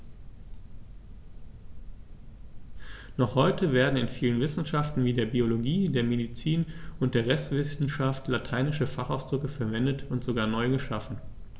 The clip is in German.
Noch heute werden in vielen Wissenschaften wie der Biologie, der Medizin und der Rechtswissenschaft lateinische Fachausdrücke verwendet und sogar neu geschaffen.